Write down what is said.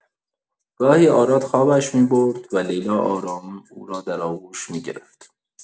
گاهی آراد خوابش می‌برد و لیلا آرام او را در آغوش می‌گرفت.